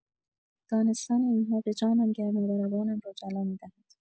دانستن این‌ها به جانم گرما و روانم را جلا می‌دهد.